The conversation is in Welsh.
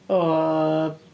O...